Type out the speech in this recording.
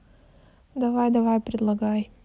давай давай предлагай